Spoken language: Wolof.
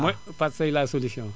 mooy Fatou Seye la solution